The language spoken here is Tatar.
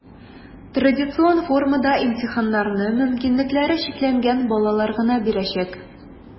Традицион формада имтиханнарны мөмкинлекләре чикләнгән балалар гына бирәчәк.